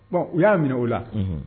Bon u y'a minɛ o la